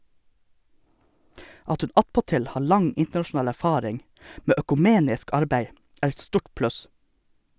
At hun attpåtil har lang internasjonal erfaring med økumenisk arbeid er et stort pluss.